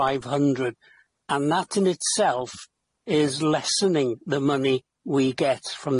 o'r adroddiad i chi yym cyn cyn yym Diolch.